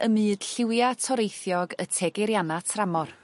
...ym myd lliwia toreithiog y tegiriana tramor.